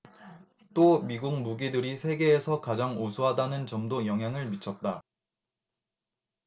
또 미국 무기들이 세계에서 가장 우수하다는 점도 영향을 미쳤다